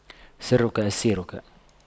سرك أسيرك